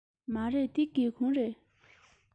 མ རེད འདི སྒེའུ ཁུང རེད